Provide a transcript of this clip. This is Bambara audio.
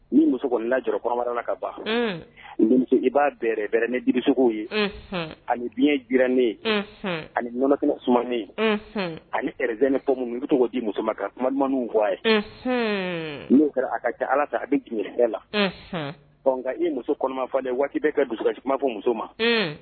Ni muso kɔnila jarabarala ka ban i b'a bɛrɛrɛ ne dibisogo ye ani biyɛn jiranen aniɔnɔk sumanen ani zɛne fɔ i bɛ to di muso ma ka kuma ɲuman fɔ a ye n'o kɛra a ka kɛ ala ta a bɛ la nka i muso kɔnɔma fɔ dɛɛ waati bɛ ka dusu kumafo muso ma